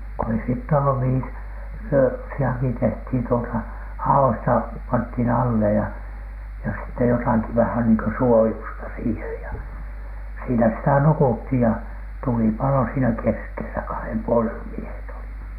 kun ei sitä ollut mihin - yösijakin tehtiin tuota haoista pantiin alle ja jos sitten jotakin vähän niin kuin suojusta siihen ja siinä sitä nukuttiin ja tuli paloi siinä keskellä kahden puolen miehet olivat